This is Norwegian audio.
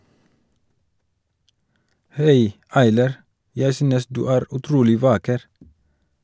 Hei Aylar, jeg synes du er utrolig vakker!